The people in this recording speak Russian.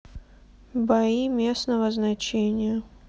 бои местного значения